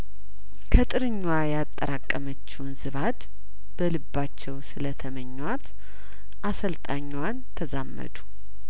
ከጥርኟ ያጠራቀመችውን ዝባድ በልባቸው ስለተመኟት አሰልጣኟን ተዛመዱ